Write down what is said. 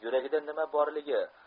yuragida nima borligi